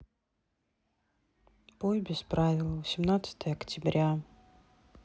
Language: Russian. пой без правил восемнадцатое октября